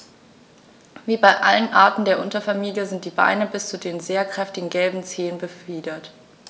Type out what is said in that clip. Wie bei allen Arten der Unterfamilie sind die Beine bis zu den sehr kräftigen gelben Zehen befiedert.